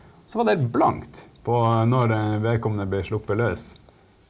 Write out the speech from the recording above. så var det blankt på når vedkommende ble sluppet løs.